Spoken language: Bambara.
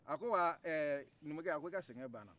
a ko wa ɛɛ numukɛ a ko i ka sɛgɛn banna